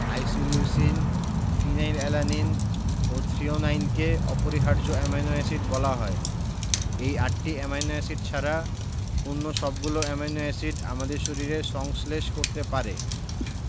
isoleucine phenylalanine ও থ্রিওনাইনকে অপরিহার্য অ্যামাইনো এসিড বলা হয় এই আটটি অ্যামাইনো এসিড ছাড়া অন্য সবগুলো অ্যামাইনো এসিড আমাদের শরীরে সংশ্লেষ করতে পারে